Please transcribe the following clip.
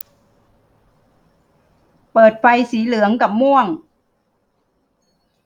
เปิดไฟสีเหลืองกับม่วง